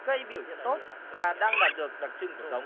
cây biểu hiện tốt và đang đạt được đặc trưng